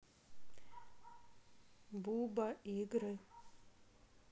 буба игры